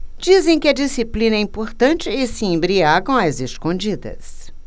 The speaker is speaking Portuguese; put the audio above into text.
dizem que a disciplina é importante e se embriagam às escondidas